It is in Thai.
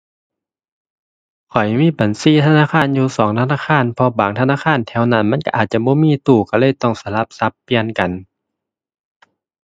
ข้อยมีบัญชีธนาคารอยู่สองธนาคาร เพราะบางธนาคารแถวนั้นมันก็อาจจะบ่มีตู้ก็เลยต้องสลับสับเปลี่ยนกัน